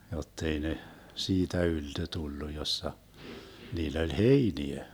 jotta ei ne siitä ylttö tullut jossa niillä oli heiniä